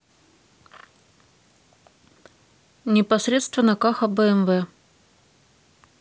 непосредственно каха бмв